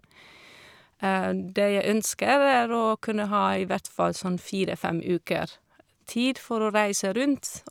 Det jeg ønsker er å kunne ha i hvert fall sånn fire fem uker tid for å reise rundt.